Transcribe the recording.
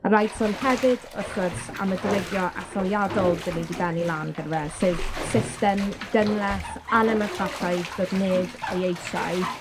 A rhaid sôn hefyd, wrth gwrs, am y diwygio etholiadol 'dyn ni 'di bennu lan gyda fe, sef system gymleth an-nemocrataidd do'dd neb ei eisau,